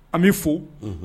An bɛ fo